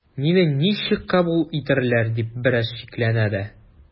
“мине ничек кабул итәрләр” дип бераз шикләнә дә.